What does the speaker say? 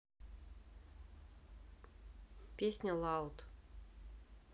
песня loud